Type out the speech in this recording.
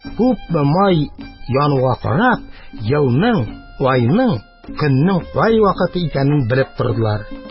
Күпме май януга карап, елның, айның, көннең кай вакыты икәнен белеп тордылар.